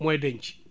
mooy denc